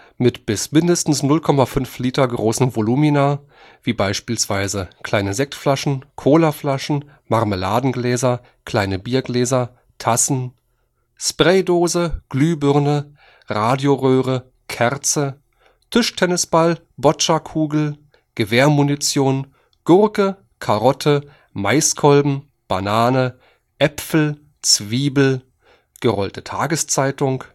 mit bis mindestens 0,5 l großen Volumina, wie beispielsweise kleine Sektflaschen, Colaflaschen, Marmeladengläser, kleine Biergläser, Tassen, Spraydose, Glühbirne, Radioröhre, Kerze, Tischtennisball, Bocciakugel, Gewehrmunition, Gurke, Karotte, Maiskolben, Banane, Äpfel, Zwiebel, gerollte Tageszeitung